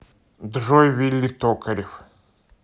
джой вилли токарев